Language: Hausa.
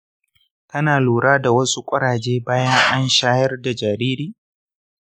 kana lura da wasu ƙuraje bayan an shayar da jaririn?